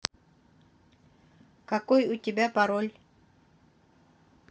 какой у тебя пароль